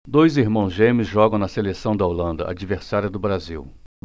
dois irmãos gêmeos jogam na seleção da holanda adversária do brasil